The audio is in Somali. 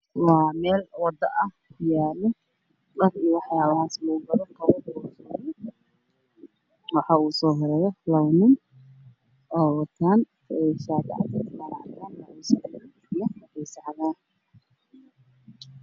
Waa meel waddo ah yaalo dhar iyo waxyaabahaas lagu gado